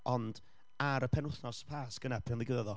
ond, ar y penwythnos Pasg yna pan ddigwyddodd o,